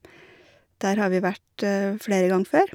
Der har vi vært flere ganger før.